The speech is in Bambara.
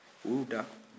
u y'u da